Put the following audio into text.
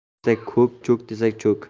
ho'k desa ho'k cho'k desa cho'k